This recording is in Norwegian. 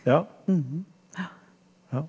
ja ja.